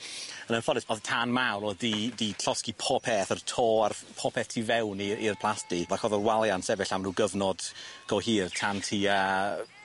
Yn anffodus o'dd tân mawr o'dd 'di 'di llosgi popeth yr to a'r ff- popeth tu fewn i i'r plasty fach o'dd y walia'n sefyll am ryw gyfnod go hir tan tua